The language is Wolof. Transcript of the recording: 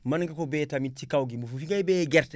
mën nga ko bayee tamit ci kaw gi bu fi ngay bayee gerte